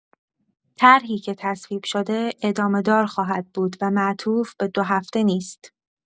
طرحی که تصویب شده ادامه‌دار خواهد بود و معطوف به ۲ هفته نیست.